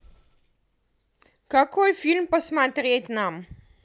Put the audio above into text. какой фильм посмотреть нам